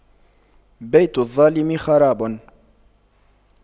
بيت الظالم خراب